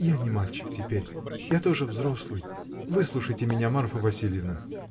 — Я не мальчик теперь — я тоже взрослый: выслушайте меня, Марфа Васильевна!